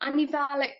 a o'n i fel li-